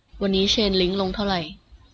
วันนี้เชนลิ้งลงเท่าไหร่